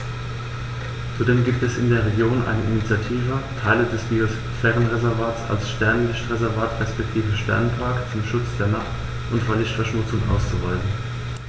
Zudem gibt es in der Region eine Initiative, Teile des Biosphärenreservats als Sternenlicht-Reservat respektive Sternenpark zum Schutz der Nacht und vor Lichtverschmutzung auszuweisen.